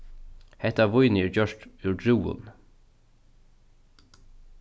hetta vínið er gjørt úr drúvum